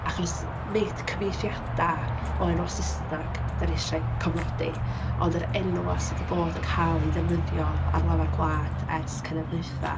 Achos nid cyfieithiadau o enwau Saesneg dan ni isio eu cofnodi, ond yr enwau sy 'di bod yn cael eu defnyddio ar lawr gwlad ers cenedlaethau.